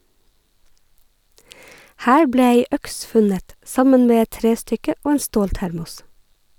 Her ble ei øks funnet, sammen med et trestykke og en ståltermos.